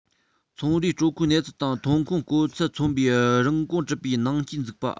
ཚོང རའི སྤྲོད མཁོའི གནས ཚུལ དང ཐོན ཁུངས དཀོན ཚད མཚོན པའི རིན གོང གྲུབ པའི ནང རྐྱེན འཛུགས པ